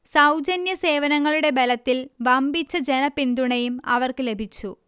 സൗജന്യ സേവനങ്ങളുടെ ബലത്തിൽ വമ്പിച്ച ജനപിന്തുണയും അവർക്ക് ലഭിച്ചു